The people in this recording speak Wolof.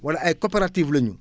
wala ay coopératives la ñu